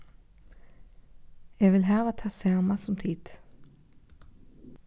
eg vil hava tað sama sum tit